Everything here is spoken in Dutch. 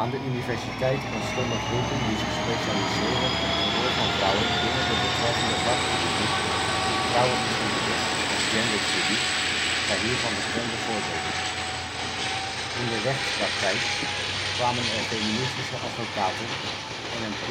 de universiteit ontstonden groepen die zich specialiseren op de rol van vrouwen binnen de betreffende vakgebieden, vrouwengeschiedenis en genderstudies zijn hiervan bekende voorbeelden. In de rechtspraktijk kwamen er feministische advocaten en